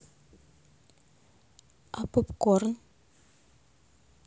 а попкорн